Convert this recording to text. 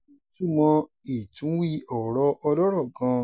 Ìtúmọ̀ Ìtúnwí-ọ̀rọ̀ Ọlọ́rọ̀ gan-an